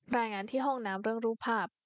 รายงานที่ห้องน้ำเรื่องรูปภาพ